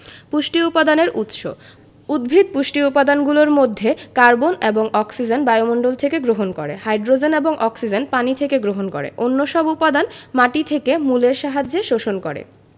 পুষ্টি উপাদানের উৎস উদ্ভিদ পুষ্টি উপাদানগুলোর মধ্যে কার্বন এবং অক্সিজেন বায়ুমণ্ডল থেকে গ্রহণ করে হাই্ড্রোজেন এবং অক্সিজেন পানি থেকে গ্রহণ করে অন্যসব উপাদান মাটি থেকে মূলের সাহায্যে শোষণ করে